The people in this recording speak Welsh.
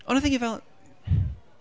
Ond y thing yw, fel ...